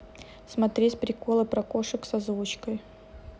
смотреть приколы про кошек с озвучкой